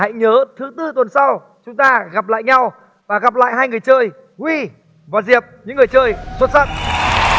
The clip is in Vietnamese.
hãy nhớ thứ tư tuần sau chúng ta gặp lại nhau và gặp lại hai người chơi huy và diệp những người chơi xuất sắc